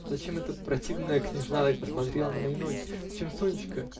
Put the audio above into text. зачем эта противная княжна так посмотрела на мои ноги? зачем Сонечка.